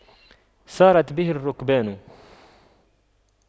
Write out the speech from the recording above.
سارت به الرُّكْبانُ